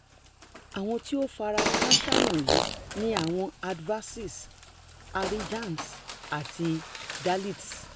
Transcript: Àwọn tí ó f'ara kááṣá wọ̀nyí ni àwọn Adivasis, Harijans àti Dalits.